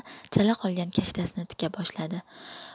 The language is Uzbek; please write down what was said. chala qolgan kashtasini tika boshladi